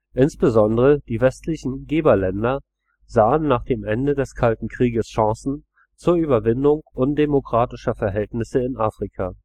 Insbesondere die westlichen Geberländer sahen nach dem Ende des Kalten Krieges Chancen zur Überwindung undemokratischer Verhältnisse in Afrika